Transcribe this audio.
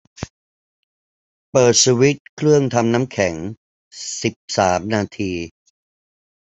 เปิดสวิตช์เครื่องทำน้ำแข็งสิบสามนาที